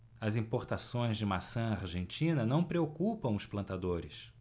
as importações de maçã argentina não preocupam os plantadores